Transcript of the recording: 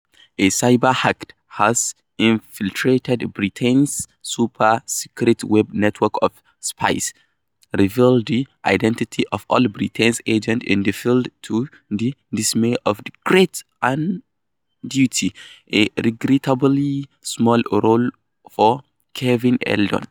A cyber-hacker has infiltrated Britain's super-secret web network of spies, revealing the identities of all Britain's agents in the field, to the dismay of the agent on duty - a regrettably small role for Kevin Eldon.